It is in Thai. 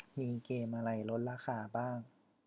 มีเกมอะไรลดราคาบ้าง